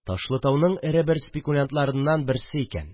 Ташлытауның иң эре спекулянтларыннан берсе икән